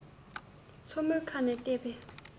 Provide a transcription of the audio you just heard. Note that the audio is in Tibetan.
མཚོ མོའི ཁ ནས ལྟས པས